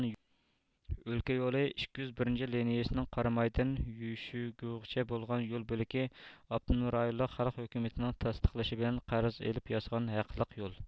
ئۆلكە يولى ئىككى يۈز بىرىنچى لىنىيىسىنىڭ قارامايدىن يۈيشۇگۇغىچە بولغان يول بۆلىكى ئاپتونوم رايونلۇق خەلق ھۆكۈمىتىنىڭ تەستىقلىشى بىلەن قەرز ئېلىپ ياسىغان ھەقلىق يول